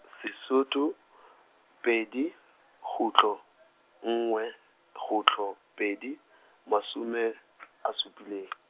Sesotho, pedi, kgutlo , nngwe, kgutlo, pedi, mashome , a supileng.